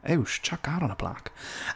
Ew, you should chuck that on a plaque.